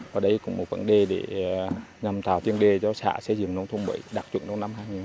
và đây cũng một vấn đề để nhằm tạo tiền đề cho xã xây dựng nông thôn mới đạt chuẩn trong năm hai nghìn